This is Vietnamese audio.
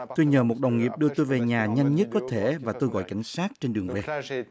tôi nhờ một đồng nghiệp đưa tôi về nhà nhanh nhất có thể và tôi gọi cảnh sát trên đường về